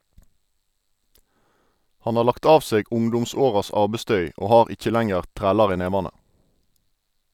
Han har lagt av seg ungdomsåras arbeidstøy, og har ikkje lenger trælar i nevane.